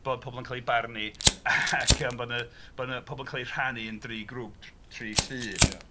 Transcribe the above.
..Bod pobl yn cael eu barnu ac bod pobl yn cael eu rhannu yn dri grŵp, tri llu... Ia...